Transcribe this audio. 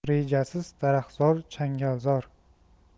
rejasiz daraxtzor changalzor